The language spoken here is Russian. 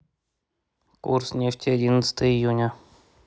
курс нефти одиннадцатое июня